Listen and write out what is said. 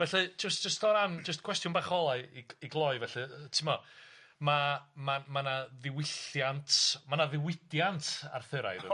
felly jyst jyst o ran jyst cwestiwn bach ola i i gloi felly yy yy t'mo' ma' ma' ma' 'na ddiwylliant ma' 'na ddiwydiant Arthuraidd yma.